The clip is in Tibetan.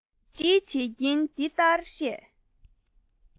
བྱིལ བྱིལ བྱེད ཀྱིན འདི ལྟར བཤད